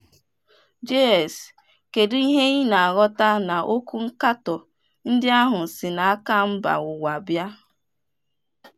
JS: Kedụ ihe ị na-aghọta n'okwu nkatọ ndị ahụ si n'aka mba ụwa bịa?